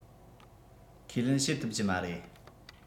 ཁས ལེན བྱེད ཐུབ ཀྱི མ རེད